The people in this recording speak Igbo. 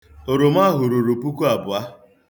Oroma ahụ ruru puku abụọ.